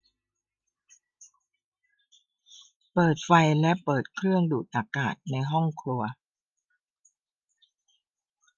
เปิดไฟและเปิดเครื่องดูดอากาศในห้องครัว